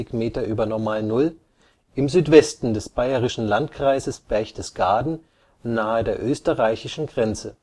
Meter über Normalnull) im Südwesten im bayerischen Landkreis Berchtesgaden nahe der österreichischen Grenze